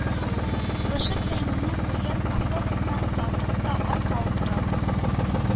Лышып, фәймәне ульян автобусына озаттык та, атка утырып,